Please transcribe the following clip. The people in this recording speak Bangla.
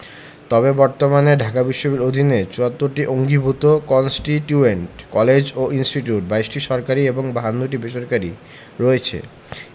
তবে বর্তমানে ঢাকা বিশ্ববিদ্যালয়ের অধীনে ৭৪টি অঙ্গীভুত কন্সটিটিউয়েন্ট কলেজ ও ইনস্টিটিউট ২২টি সরকারি ও ৫২টি বেসরকারি রয়েছে